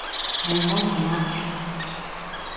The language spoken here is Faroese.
tað er hon sum málar